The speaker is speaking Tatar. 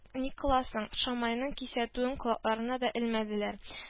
Ни кыласың, – шимайның кисәтүен колакларына да элмәделәр